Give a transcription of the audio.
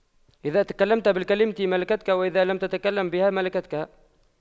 إذا تكلمت بالكلمة ملكتك وإذا لم تتكلم بها ملكتها